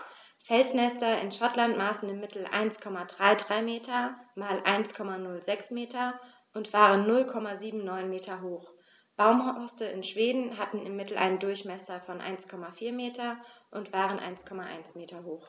Felsnester in Schottland maßen im Mittel 1,33 m x 1,06 m und waren 0,79 m hoch, Baumhorste in Schweden hatten im Mittel einen Durchmesser von 1,4 m und waren 1,1 m hoch.